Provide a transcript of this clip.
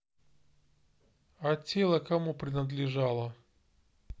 а тело кому принадлежало